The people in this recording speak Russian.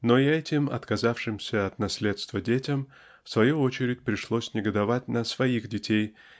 Но и этим отказавшимся от наследства детям в свою очередь пришлось негодовать на своих детей